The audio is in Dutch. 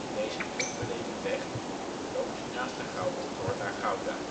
Deze drukbereden weg loopt naast de Gouwe door naar Gouda